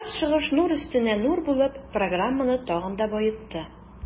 Һәр чыгыш нур өстенә нур булып, программаны тагын да баетты.